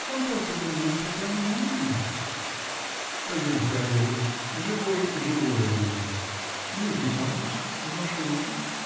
Он просто был муж Татьяны Юрьевны. Пойдемте обедать. Живой живое думает. Дмитрий Павлович, вашу руку.